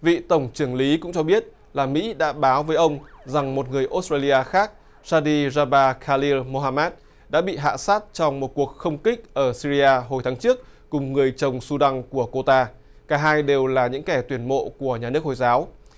vị tổng chưởng lý cũng cho biết là mỹ đã báo với ông rằng một người ốt trây li a khác sa đi ram ba ka li mô ham bát đã bị hạ sát trong một cuộc không kích ở sy ri a hồi tháng trước cùng người chồng su đăng của cô ta cả hai đều là những kẻ tuyển mộ của nhà nước hồi giáo